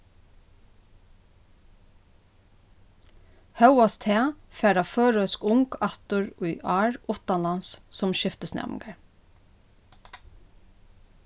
hóast tað fara føroysk ung aftur í ár uttanlands sum skiftisnæmingar